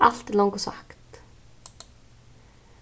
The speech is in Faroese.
alt er longu sagt